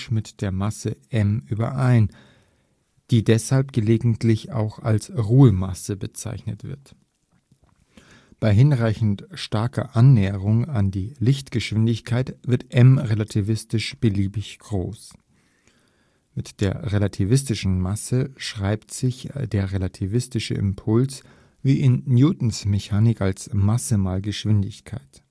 mit der Masse m {\ displaystyle m} überein, die deshalb gelegentlich auch als Ruhemasse bezeichnet wird. Bei hinreichend starker Annäherung an die Lichtgeschwindigkeit wird m relativistisch {\ displaystyle m_ {\ text {relativistisch}}} beliebig groß. Mit der relativistischen Masse schreibt sich der relativistische Impuls wie in Newtons Mechanik als „ Masse mal Geschwindigkeit